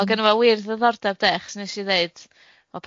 o'dd gynna fo wir ddiddordab 'de chos nesh i ddeud, wel